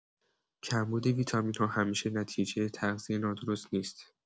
کمبود ویتامین‌ها همیشه نتیجه تغذیه نادرست نیست.